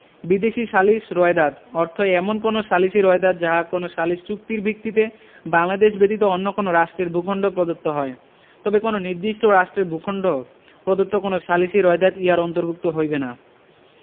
বিদেশী সালিসী রোয়েদাদ অর্থ এমন কোন সালিসী রোয়েদাদ যাহা কোন সালিস চুক্তির ভিত্তিতে বাংলাদেশ ব্যতীত অন্য কোন রাষ্ট্রের ভূখন্ড প্রদত্ত হয় তবে কোন নির্দিষ্ট রাষ্ট্রের ভূখন্ড প্রদত্ত কোন সালিসী রোয়েদাদ ইহার অন্তর্ভুক্ত হইবে না